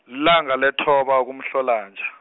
lilanga lethoba kuMhlolonja.